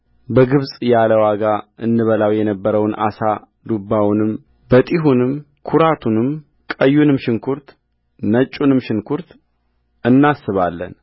በግብፅ ያለ ዋጋ እንበላው የነበረውን ዓሣ ዱባውንም በጢኹንም ኩራቱንም ቀዩንም ሽንኩርት ነጩንም ሽንኩርት እናስባለን